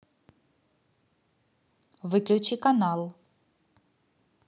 выключи канал